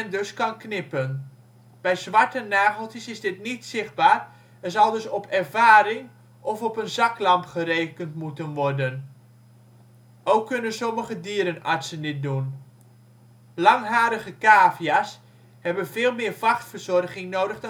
dus kan knippen. Bij zwarte nageltjes is dit niet zichtbaar en zal dus op ervaring of op een zaklamp gerekend moeten worden. Ook kunnen sommige dierenartsen dit doen. Langharige cavia 's hebben veel meer vachtverzorging nodig